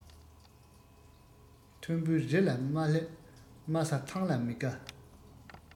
མཐོན པོའི རི ལ མ སླེབས དམའ ས ཐང ལ མི དགའ